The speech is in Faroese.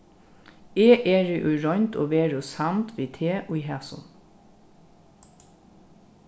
eg eri í roynd og veru samd við teg í hasum